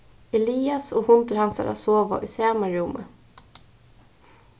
elias og hundur hansara sova í sama rúmi